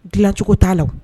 Dilancogo t'a la